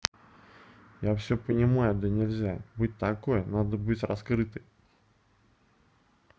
я все понимаю да нельзя быть такой надо быть раскрытой